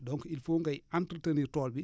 donc il faut ngay entretenir tool bi